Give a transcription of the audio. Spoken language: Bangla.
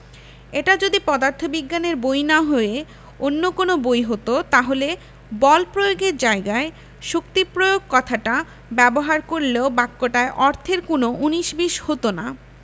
এটা যদি পদার্থবিজ্ঞানের বই না হয়ে অন্য কোনো বই হতো তাহলে বল প্রয়োগ এর জায়গায় শক্তি প্রয়োগ কথাটা ব্যবহার করলেও বাক্যটায় অর্থের কোনো উনিশ বিশ হতো না